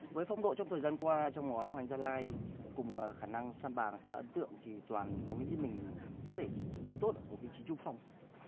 với phong độ trong thời gian qua trong màu áo hoàng anh gia lai cùng khả năng săn bàn khá ấn tượng thì toàn có nghĩ mình có thể chơi tốt ở một vị trí trung phong